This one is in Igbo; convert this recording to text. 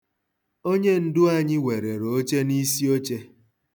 Onye ndu anyị werere oche n'isi oche.